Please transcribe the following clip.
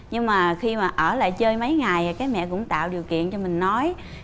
nhưng mà khi mà ở lại chơi mấy ngày thấy mẹ cũng tạo điều kiện cho mình nói